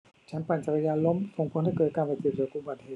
ฉันปั่นจักรยานล้มส่งผลให้เกิดการบาดเจ็บจากอุบัติเหตุ